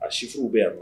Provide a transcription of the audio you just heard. A situw bɛ yan